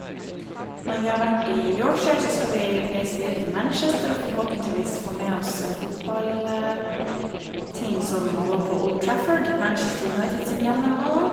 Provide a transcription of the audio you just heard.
Når vi har vært i Yorkshire, så skal vi vi reise videre til Manchester og forhåpentligvis få med oss fotballting som å gå på Old Trafford, Manchester United sin hjemmebane.